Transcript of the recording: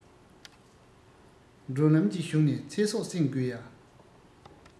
འགྲོ ལམ གྱི གཞུང ནས ཚེ སྲོག བསྲིངས དགོས ཡ